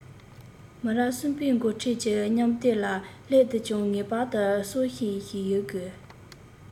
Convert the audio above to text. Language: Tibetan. མི རབས གསུམ པའི འགོ ཁྲིད ཀྱི མཉམ བསྡེབ ལ སླེབས དུས ཀྱང ངེས པར དུ སྲོག ཤིང ཞིག ཡོད དགོས